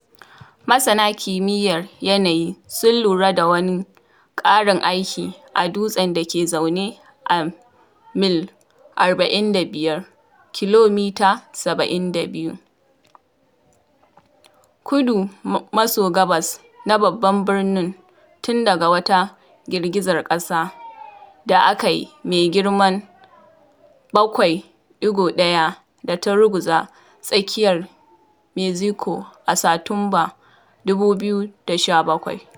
Masana kimiyyar yanayi sun lura da wani ƙarin aiki a dutsen da ke zaune a mil 45 (kilomita 72) kudu-maso-gabas na babban birnin tun daga wata girgizar ƙasa da aka yi mai girman 7.1 da ta ruguza tsakiyar Mexico a Satumba 2017.